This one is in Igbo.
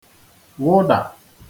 wụdà